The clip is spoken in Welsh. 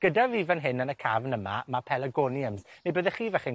Gyda fi fan hyn, yn y cafn yma, mae Pelagoniums. Ne' byddech chi falle'n